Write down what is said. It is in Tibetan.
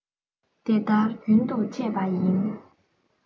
དེ ལྟར རྒྱུན དུ སྤྱད པ ཡིས